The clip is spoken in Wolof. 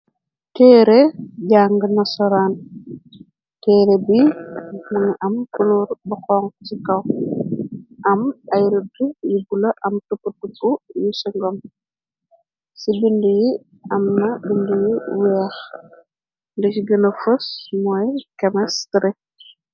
Teere jànge nasaraan, teere bi mingi am kulor bu xonxu si kaw, am ay radd yu bula, ak ay tuputupu yu singom, si binde yi amna binde yu weex, lu si gena fess moy Chemistry.